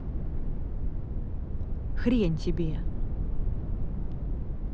хрень тебе